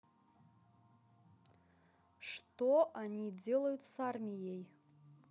что они делают с армией